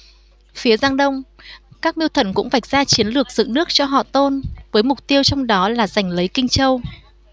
phía giang đông các mưu thần cũng vạch ra chiến lược dựng nước cho họ tôn với mục tiêu trong đó là giành lấy kinh châu